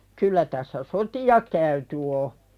kyllä tässä sotia käyty on